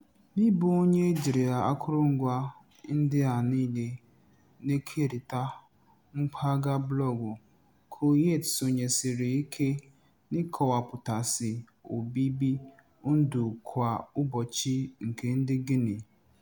N'ịbụ onye ejiri akụrụngwa ndị a niile na-kerịta mpagha blọọgụ, Kouyaté sonyesiri ike n'ịkọwapụtasị obibi ndụ kwa ụbọchị nke ndị Guinea.